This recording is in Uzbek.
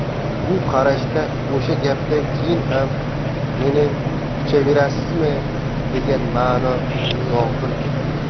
bu qarashda o'sha gapdan keyin ham meni quchaverasizmi degan ma'no zohir edi